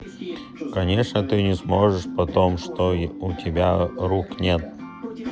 конечно ты не сможешь потому что у тебя рук нету